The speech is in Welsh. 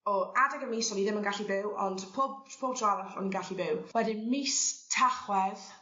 O adeg y mis o'n i ddim yn gallu byw ond pob pob tro o'n i'n gallu byw. Wedyn mis Tachwedd